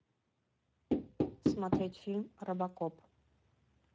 смотреть фильм робокоп